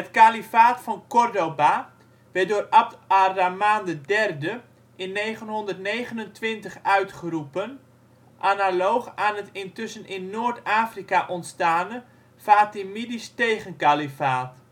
Kalifaat van Córdoba werd door Abd ar-Rahmaan III in 929 uitgeroepen, analoog aan het intussen in Noord-Afrika ontstane Fatimidisch tegenkalifaat